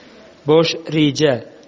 bosh reja